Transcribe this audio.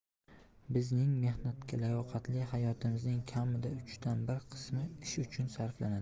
bizning mehnatga layoqatli hayotimizning kamida uchdan bir qismi ish uchun sarflanadi